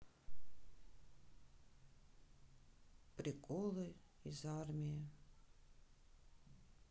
приколы из армии